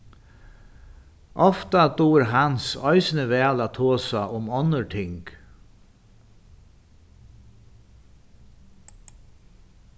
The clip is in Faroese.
ofta dugir hans eisini væl at tosa um onnur ting